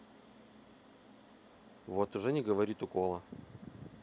вот уже не говорит укола